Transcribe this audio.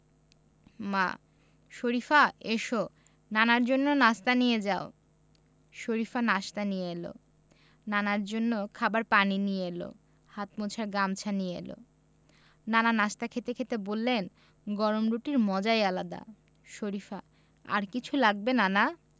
মা শরিফা এসো নানার জন্য নাশতা নিয়ে যাও শরিফা নাশতা নিয়ে এলো নানার জন্য খাবার পানি নিয়ে এলো হাত মোছার গামছা নিয়ে এলো নানা নাশতা খেতে খেতে বললেন গরম রুটির মজাই আলাদা শরিফা আর কিছু লাগবে নানা